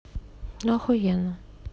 ну охуенно